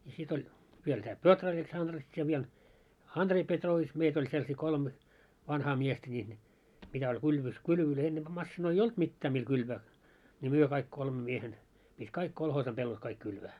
ja sitten oli vielä tämä Petrovets Andrets ja vielä Andrei Petrovits meitä oli sellaisia kolme vanhaa miestä niin mitä oli kylvyssä kylvöjä ennempää masiinoita ollut mitään millä kylvää niin me kaikki kolme miehen piti kaikki kolhoosin pellot kaikki kylvää